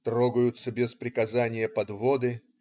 Трогаются без приказания подводы.